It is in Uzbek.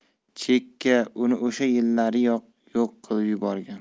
cheka uni o'sha yillariyoq yo'q qilib yuborgan